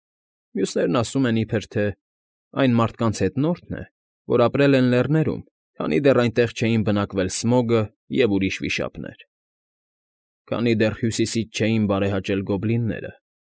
Մյուսներն ասում են, իբրև թե այն մարդկանց հետնորդն է, որ ապրել են լեռներում, քանի դեռ այնտեղ չէին բնակվել Սմոգը և ուրիշ վիշապներ, քանի դեռ հյուսիսից չէին բարեհաճել գոբլինները։